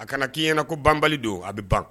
A kana k'i ɲɛna ko banbali don, a bɛ ban.